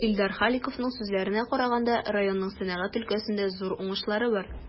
Илдар Халиковның сүзләренә караганда, районның сәнәгать өлкәсендә зур уңышлары бар.